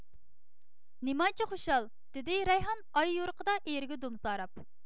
نېمانچە خۇشال دېدى رەيھان ئاي يورۇقىدا ئېرىگە دومساراپ